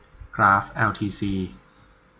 กราฟแอลทีซี